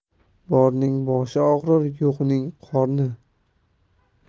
borning boshi og'rir yo'qning qorni